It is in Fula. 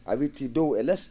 a witti dow e less